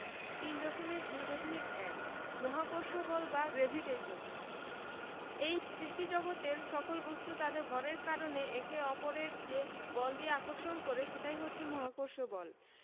3.2.1 মহাকর্ষ বল বা গ্রেভিটেশন এই সৃষ্টিজগতের সকল বস্তু তাদের ভরের কারণে একে অপরকে যে বল দিয়ে আকর্ষণ করে সেটাই হচ্ছে মহাকর্ষ বল